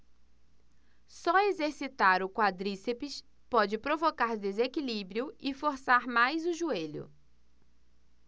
só exercitar o quadríceps pode provocar desequilíbrio e forçar mais o joelho